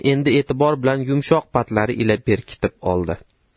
endi e'tibor bilan yumshoq patlari ila bekitib oldi